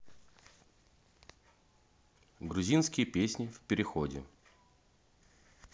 грузинские песни в переходе